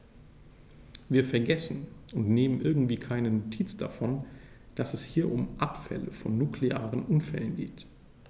Wir vergessen, und nehmen irgendwie keine Notiz davon, dass es hier um Abfälle von nuklearen Unfällen geht.